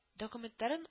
Документларын